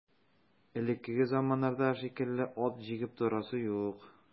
Элекке заманнардагы шикелле ат җигеп торасы юк.